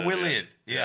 Cywilydd, ia.